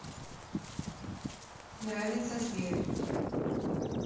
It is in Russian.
нравится сбер